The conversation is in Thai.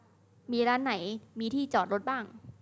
มีร้านไหนมีที่จอดรถบ้าง